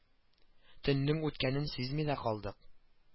Төннең үткәнен сизми дә калдык